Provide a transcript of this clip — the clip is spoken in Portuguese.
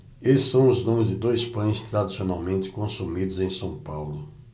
esses são os nomes de dois pães tradicionalmente consumidos em são paulo